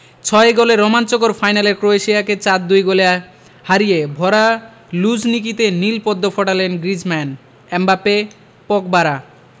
ছয় গোলের রোমাঞ্চকর ফাইনালে ক্রোয়েশিয়াকে ৪ ২ গোলে হারিয়ে ভরা লুঝনিকিতে নীল পদ্ম ফোটালেন গ্রিজমান এমবাপ্পে পগবারা